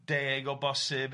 deg o bosib.